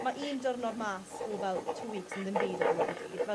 ma' un di'rnod mas o fel two weeks yn ddim byd ar ddiwedd y dydd fel...